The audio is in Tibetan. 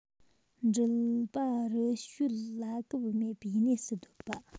འགྲུལ པ རི ཞོལ བླ གབ མེད པའི གནས སུ སྡོད པ